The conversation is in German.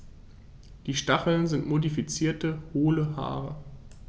Diese Stacheln sind modifizierte, hohle Haare.